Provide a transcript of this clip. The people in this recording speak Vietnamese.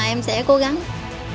em sẽ cố gắng